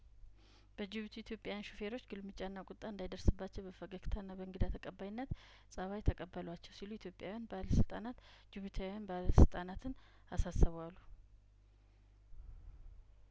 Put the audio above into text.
በጅቡቲ ኢትዮጵያውያን ሹፌሮች ግልምጫና ቁጣ እንዳይደርስባቸው በፈገግታና በእንግዳ ተቀባይነት ጸባይ ተቀበሏቸው ሲሉ ኢትዮጵያውያን ባለስልጣናት ጅቡቲ ያውያን ባለስልጣናትን አሳሰቡ አሉ